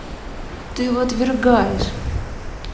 ты его отвергаешь